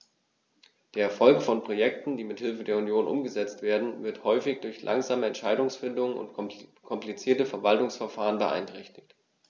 Der Erfolg von Projekten, die mit Hilfe der Union umgesetzt werden, wird häufig durch langsame Entscheidungsfindung und komplizierte Verwaltungsverfahren beeinträchtigt.